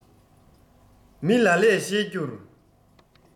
མི ལ ལས བཤད རྒྱུར